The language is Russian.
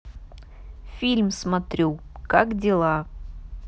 фильм смотрю как дела